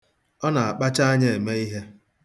Ọ na-akpacha anya eme ihe.